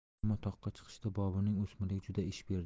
ammo toqqa chiqishda boburning o'smirligi juda ish berdi